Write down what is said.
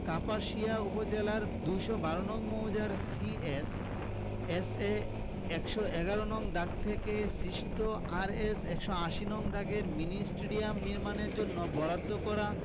কাপাসিয়া উপজেলার ২১২ নং মৌজার সি এস এস এ ১১১ নং দাগ থেকে সৃষ্ট আরএস ১৮০ নং দাগে মিনি স্টেডিয়াম নির্মাণের জন্য বরাদ্দ করা